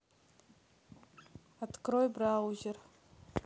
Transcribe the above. открой браузер